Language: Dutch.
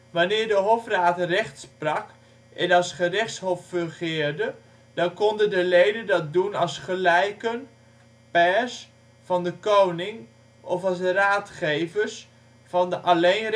Wanneer de hofraad recht sprak en als gerechtshof fungeerde dan konden de leden dat doen als gelijken, Pairs, van de koning of als raadgevers van de alleen